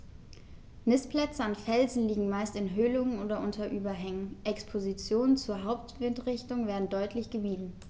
Nistplätze an Felsen liegen meist in Höhlungen oder unter Überhängen, Expositionen zur Hauptwindrichtung werden deutlich gemieden.